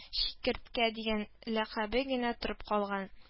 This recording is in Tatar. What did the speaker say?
“чикерткә” дигән ләкабе генә торып калган